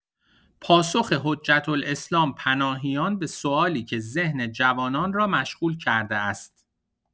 پاسخ حجت‌الاسلام پناهیان به سوالی که ذهن جوانان را مشغول کرده است.